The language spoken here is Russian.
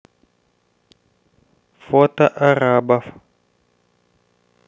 фото арабов